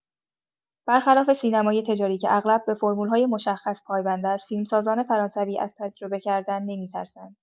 برخلاف سینمای تجاری که اغلب به فرمول‌های مشخص پایبند است، فیلم‌سازان فرانسوی از تجربه کردن نمی‌ترسند.